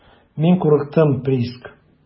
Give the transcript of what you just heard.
Мин курыктым, Приск.